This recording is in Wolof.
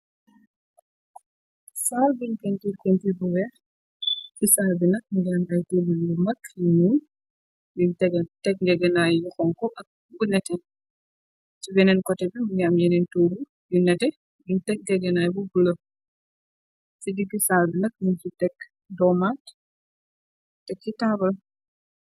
Saal büñ pentiir paintiir bu weex ci saal bi nak mungi am ay togu yu mak fi ñyngi tek ngegenaay yi xonko ak bu nete ci yeneen kote bi mungi am yeneen tugo yu nete yuñ tek mgegenaay bu bu la ci digg saal bi nakk mi ci tekk doomaat tek ci taabal